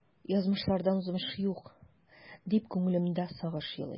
Язмышлардан узмыш юк, дип күңелемдә сагыш елый.